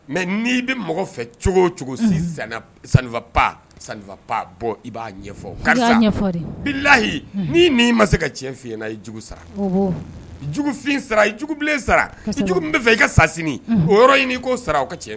Mɛ n'i bɛ mɔgɔ fɛ cogo cogo pa bɔ i b'a ɲɛfɔhi n'i ni ma se ka cɛn fi na ye jugu sara jugufin sara i jugubilen sara jugu bɛ fɛ i ka sa sini o yɔrɔ ɲini'o sara o ka cɛn